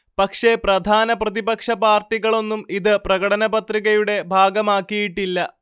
പക്ഷേ പ്രധാന പ്രതിപക്ഷ പാർട്ടികളൊന്നും ഇത് പ്രകടനപത്രികയുടെ ഭാഗമാക്കിയിട്ടില്ല